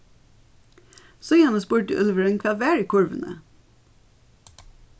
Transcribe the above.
síðani spurdi úlvurin hvat var í kurvini